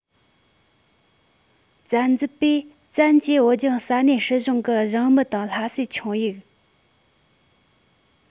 བཙན འཛུལ པས བཙན གྱིས བོད ལྗོངས ས གནས སྲིད གཞུང གི གཞུང མི དང ལྷ སའི ཆིངས ཡིག